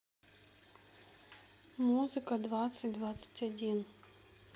музыка двадцать двадцать один